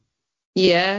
Ie, ie.